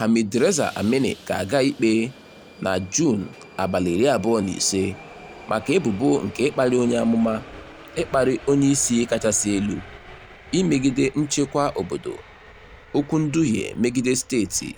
Hamidreza Amini ga-aga ikpe na Juun 25 maka ebubo nke "ịkparị onyeamụma", "ịkparị onyeisi kachasị elu", "imegide nchekwa obodo", "okwu nduhie megide steeti"